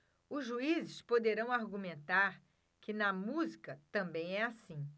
os juízes poderão argumentar que na música também é assim